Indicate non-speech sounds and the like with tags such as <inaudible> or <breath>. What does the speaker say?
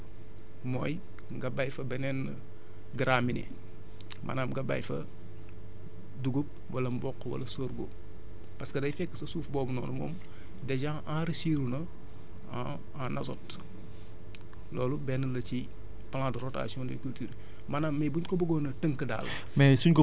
li gën mooy nga bay fa beneen graminé maanaam nga bay fa dugub wala mboq wala sorgho parce que day fekk sa suuf boobu noonu moom dèjà enrichir na en en azote loolu benn la ci plan de rotation des cultures <breath> maanaam lii bu ñu ko bëggoon a tënk daal